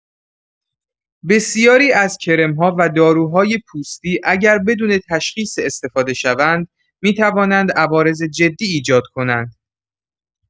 بسیاری از کرم‌ها و داروهای پوستی اگر بدون تشخیص استفاده شوند، می‌توانند عوارض جدی ایجاد کنند.